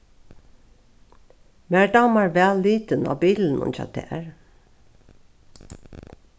mær dámar væl litin á bilinum hjá tær